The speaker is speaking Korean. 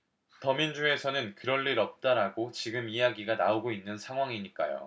더민주에서는 그런 일 없다라고 지금 이야기가 나오고 있는 상황이니까요